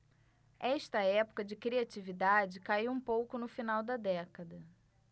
esta época de criatividade caiu um pouco no final da década